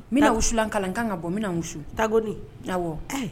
N bina wusulan k'a la n kaan ka bɔ n bena n wusu tagoni awɔɔ ɛɛ